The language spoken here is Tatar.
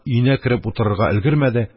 Өенә кереп утырырга өлгермәде,